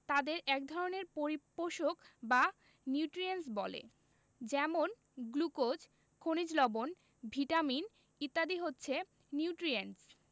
তাদের এক সঙ্গে পরিপোষক বা নিউট্রিয়েন্টস বলে যেমন গ্লুকোজ খনিজ লবন ভিটামিন ইত্যাদি হচ্ছে নিউট্রিয়েন্টস